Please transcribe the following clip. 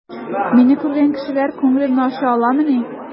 Мин күргән кешеләр күңелемне ача аламыни?